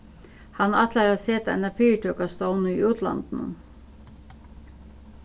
hann ætlar at seta eina fyritøku á stovn í útlandinum